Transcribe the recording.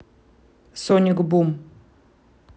соник бум